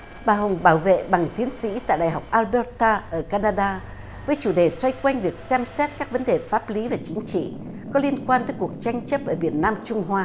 bà hồng bảo vệ bằng tiến sĩ tại đại học a đóc ta ở can na đa với chủ đề xoay quanh việc xem xét các vấn đề pháp lý về chính trị có liên quan tới cuộc tranh chấp ở biển nam trung hoa